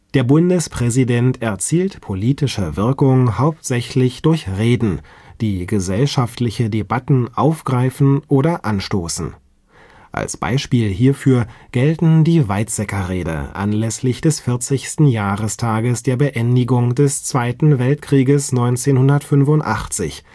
Der Bundespräsident erzielt politische Wirkung hauptsächlich durch Reden, die gesellschaftliche Debatten aufgreifen oder anstoßen. Als Beispiele hierfür gelten die Weizsäcker-Rede anlässlich des 40. Jahrestages der Beendigung des Zweiten Weltkrieges 1985